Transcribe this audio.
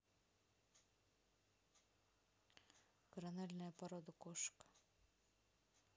корональная порода кошек